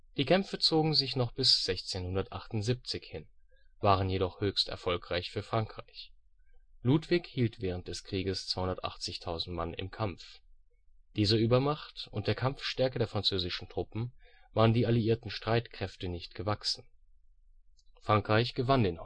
Die Kämpfe zogen sich noch bis 1678 hin, waren jedoch höchst erfolgreich für Frankreich. Ludwig hielt während des Krieges 280.000 Mann im Kampf. Dieser Übermacht und der Kampfstärke der französischen Truppen, waren die alliierten Streitkräfte nicht gewachsen. Frankreich gewann den